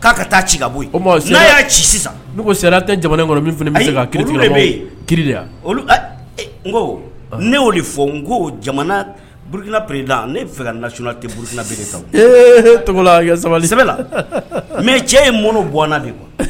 K'a ka taa ci ka bɔ n'a y'a ci sisan n sera tɛ jamana kɔnɔ min ki bɛ ki olu n ko ne'o de fɔ n ko burukinarela ne fɛlasla tɛ burukina bereere sa ee tɔgɔ sabali sɛbɛn mɛ cɛ ye mɔnɔnɔ bɔ de kuwa